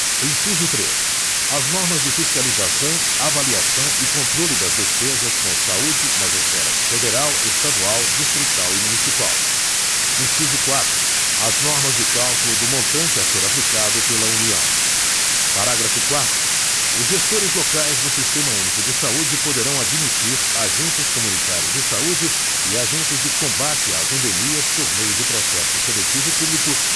inciso três as normas de fiscalização avaliação e controle das despesas com saúde nas esferas federal estadual distrital e municipal inciso quatro as normas de cálculo do montante a ser aplicado pela união parágrafo quarto os gestores locais do sistema único de saúde poderão admitir agentes comunitários de saúde e agentes de combate às endemias por meio de processo seletivo público